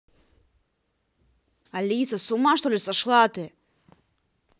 алиса сума чтоли сошла ты